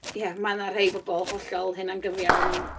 Ia, ma' 'na rhai bobl hollol hunan-gyfiawn.